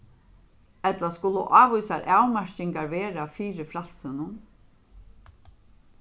ella skulu ávísar avmarkingar vera fyri frælsinum